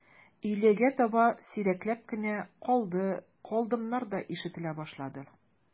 Өйләгә таба сирәкләп кенә «калды», «калдым»нар да ишетелә башлады.